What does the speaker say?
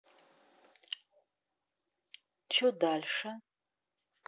че дальше